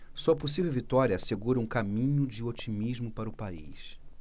sua possível vitória assegura um caminho de otimismo para o país